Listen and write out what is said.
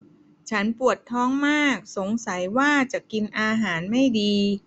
ฉันปวดท้องมากสงสัยว่าจะกินอาหารไม่ดี